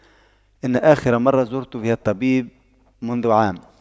ان اخر مرة زرت بها الطبيب منذ عام